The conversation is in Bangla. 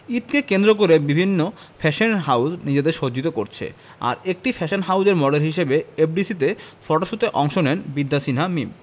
ঈদকে কেন্দ্র করে বিভিন্ন ফ্যাশন হাউজ নিজেদের সজ্জিত করছে আর একটি ফ্যাশন হাউজের মডেল হিসেবে এফডিসি তে ফটোশ্যুটে অংশ নেন বিদ্যা সিনহা মীম